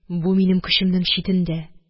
Бу минем көчемнең читендә..